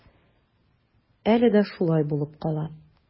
Әле дә шулай булып кала.